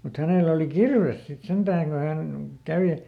mutta hänellä oli kirves sitten sentään kun hän kävi